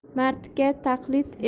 mardga taqlid et